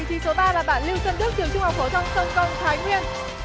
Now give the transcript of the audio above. vị trí số ba là bạn lưu xuân đức trường trung học phổ thông sông công thái nguyên